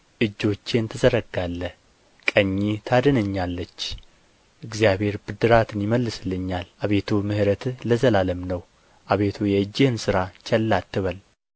እጆቼን ትዘረጋለህ ቀኝህም ታድነኛለች እግዚአብሔር ብድራትን ይመልስልኛል አቤቱ ምሕረትህ ለዘላለም ነው አቤቱ የእጅህን ሥራ ቸል አትበል